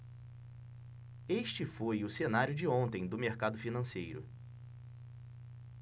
este foi o cenário de ontem do mercado financeiro